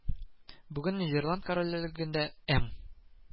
Бүген Нидерланд Корольлегендә эМ